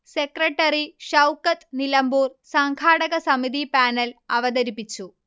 secretary Shoukath Nilambur സംഘാടക സമിതി panel അവതരിപ്പിച്ചു